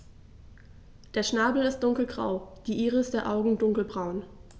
Der Schnabel ist dunkelgrau, die Iris der Augen dunkelbraun.